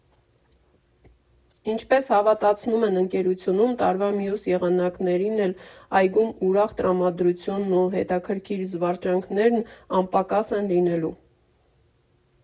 Ինչպես հավաստիացնում են ընկերությունում, տարվա մյուս եղանակներին էլ այգում ուրախ տրամադրությունն ու հետաքրքիր զվարճանքներն անպակաս են լինելու։